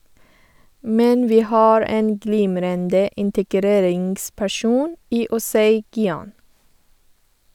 Men vi har en glimrende integreringsperson i Osei Gyan.